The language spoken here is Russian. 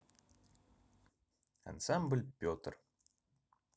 ансамбль петр